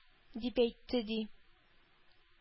— дип әйтте, ди.